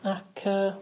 Ac yy